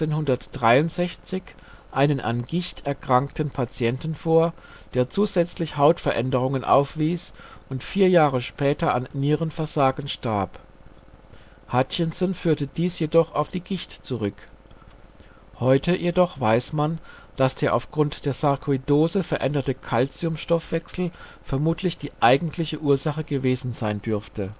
1863 einen an Gicht erkrankten Patienten vor, der zusätzlich Hautveränderungen aufwies und vier Jahre später an Nierenversagen verstarb. Hutchinson führte dies jedoch auf die Gicht zurück - heute weiss man dass der aufgrund Sarkoidose veränderte Kalziumstoffechsel vermutlich die eigentliche Ursache gewesen sein dürfte